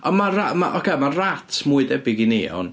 Ond ma' ra-... Ocê, ma' rats mwy debyg i ni iawn.